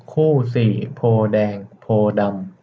คู่สี่โพธิ์แดงโพธิ์ดำ